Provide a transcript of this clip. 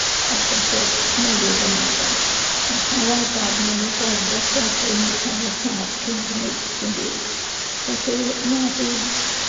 argraffiad newydd yma ynde ac fel arfar ma' nw'n gorfod gofyn caniatâd cyn gneud dim byd felly na dwi